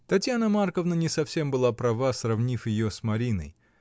Татьяна Марковна не совсем была права, сравнив ее с Мариной.